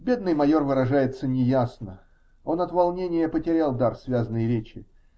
Бедный майор выражается неясно -- он от волнения потерял дар связной речи.